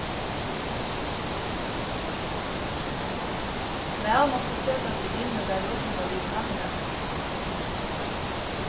væl mást tú seta teg inn í tær vísindaligu kanningarnar